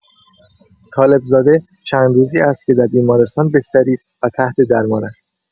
طالب‌زاده چند روزی است که در بیمارستان بستری و تحت درمان است.